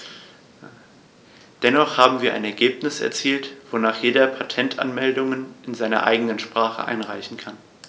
Dennoch haben wir ein Ergebnis erzielt, wonach jeder Patentanmeldungen in seiner eigenen Sprache einreichen kann.